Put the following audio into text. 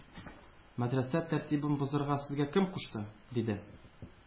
Мәдрәсә тәртибен бозарга сезгә кем кушты? - диде.